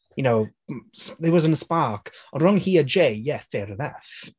you know... There wasn't a spark. Ond rhwng hi a Jay, yeah fair enough.